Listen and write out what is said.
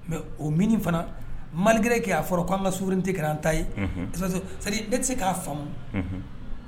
Mais o mini fana malgré que a fɔra ko an ka souverainété kɛra an ta ye. Unhun. De toute façon, c'est à dire ne tɛ se k'a faamumu